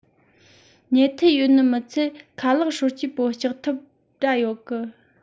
ཉལ ཐུལ ཡོད ནི མི ཚད ཁ ལག སྲོ སྤྱད པོ ལྕགས ཐབ པ ར ཡོད